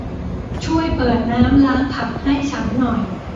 ช่วยเปิดน้ำล้างผักให้ฉันหน่อย